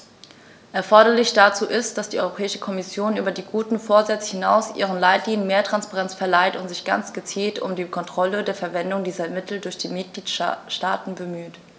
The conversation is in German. Erforderlich dazu ist, dass die Europäische Kommission über die guten Vorsätze hinaus ihren Leitlinien mehr Transparenz verleiht und sich ganz gezielt um die Kontrolle der Verwendung dieser Mittel durch die Mitgliedstaaten bemüht.